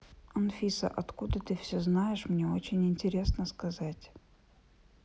анфиса откуда это все знаешь мне очень интересно сказать